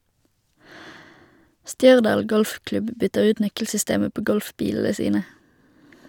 Stjørdal golfklubb bytter ut nøkkelsystemet på golfbilene sine.